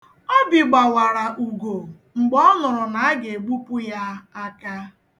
Obi gbawara Ugo mgbe ọ nụrụ na aga- egbupụ ya aka.